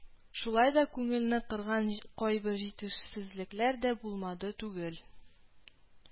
Шулай да күңелне кырган кайбер җитешсезлекләр дә булмады түгел